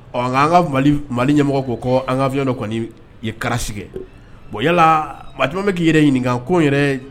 Ɔ, nka an ka Mali ɲɛmɔgɔ ko, ko an ka avion dɔ kɔni ye crash kɛ bon yala maa caaman bɛ k'i yɛrɛ ɲininka ko yɛrɛ